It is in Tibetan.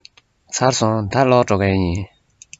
ཚར སོང ད ལོག འགྲོ མཁན ཡིན